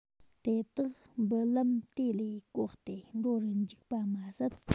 དེ དག འབུད ལམ དེ ལས གོག སྟེ འགྲོ རུ འཇུག པ མ ཟད